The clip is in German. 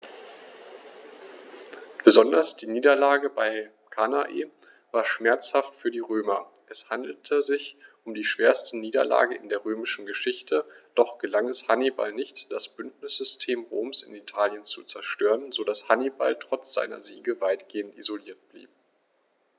Besonders die Niederlage bei Cannae war schmerzhaft für die Römer: Es handelte sich um die schwerste Niederlage in der römischen Geschichte, doch gelang es Hannibal nicht, das Bündnissystem Roms in Italien zu zerstören, sodass Hannibal trotz seiner Siege weitgehend isoliert blieb.